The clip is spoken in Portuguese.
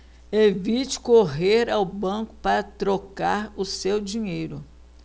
evite correr ao banco para trocar o seu dinheiro